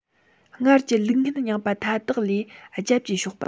སྔར གྱི ལུགས ངན རྙིང པ མཐའ དག ལས རྒྱབ ཀྱིས ཕྱོགས པ